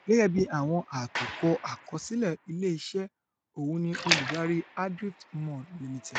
Gẹ́gẹ́bí àwọn àtòkọ àkọsìlẹ́ ilé iṣẹ́, òun ni olùdarí Adriftmorn Limited.